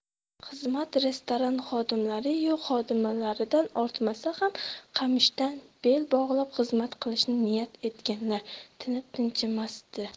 xizmat restoran xodimlariyu xodimalaridan ortmasa ham qamishdan bel bog'lab xizmat qilishni niyat etganlar tinib tinchishmasdi